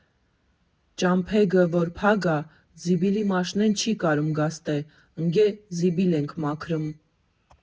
֊Ճամփեգը որ փագ ա, զիբիլի մաշնեն չի կարըմ գա ստե, ընգե զիբիլ ենք մաքրըմ։